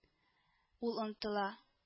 Ул онытыла